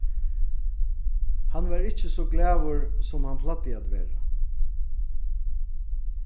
hann var ikki so glaður sum hann plagdi at vera